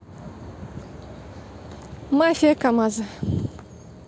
mafia камаза